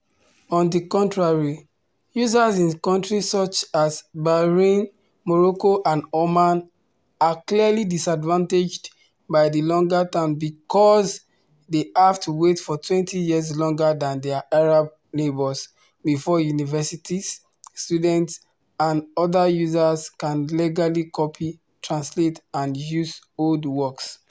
On the contrary, users in countries such as Bahrain, Morocco, and Oman are clearly disadvantaged by the longer term because they have to wait for 20 years longer than their Arab neighbours before universities, students, and other users can legally copy, translate, and use old works.